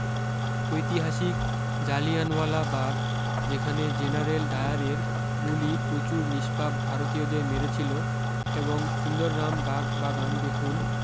ঐতিহাসিক জালিয়ানওয়ালা বাগ যেখানে জেনারেল ডায়ারের গুলি প্রচুর নিস্পাপ ভারতীয়দের মেরেছিল এবং সুন্দর রাম বাগ বাগান দেখুন